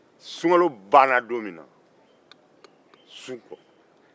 sunkalo banna don min na